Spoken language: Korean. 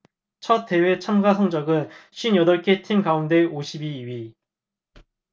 첫 대회 참가 성적은 쉰 여덟 개 팀 가운데 오십 이 위